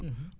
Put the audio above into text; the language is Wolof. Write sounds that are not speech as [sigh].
[hesitation] [hesitation]